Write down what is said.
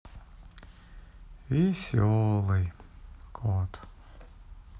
веселый кот